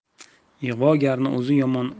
ig'vogarning o'zi yomon